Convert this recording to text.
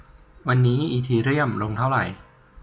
วันนี้อีเธอเรียมลงเท่าไหร่